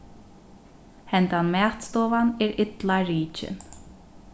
hendan matstovan er illa rikin